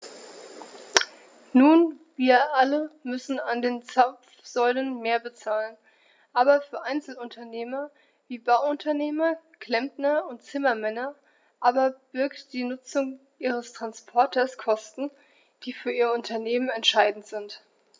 Nun wir alle müssen an den Zapfsäulen mehr bezahlen, aber für Einzelunternehmer wie Bauunternehmer, Klempner und Zimmermänner aber birgt die Nutzung ihres Transporters Kosten, die für ihr Unternehmen entscheidend sind.